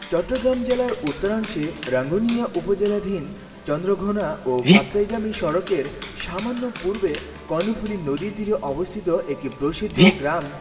চট্টগ্রাম জেলার উত্তরাংশে রাঙ্গুনিয়া উপজেলাধীন চন্দ্রঘোনা ও কাপ্তাইগামী সড়কের সামান্য পূর্বে কর্ণফুলী নদীর তীরে অবস্থিত একটি প্রসিদ্ধ গ্রাম